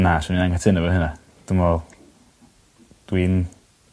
Na swn i'n anghytuno efo hynna. Dwi'n me'wl dwi'n